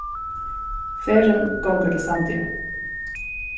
ferðin gongur til sandoyar